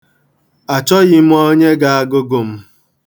Achọghị m onye ga-agụgụ m.